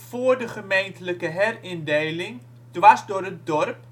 voor de gemeentelijke herindeling dwars door het dorp